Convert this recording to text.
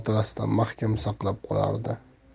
xotirasida mahkam saqlab qolardi